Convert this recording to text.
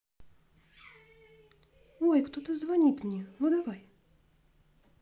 ой кто то звонит мне ну давай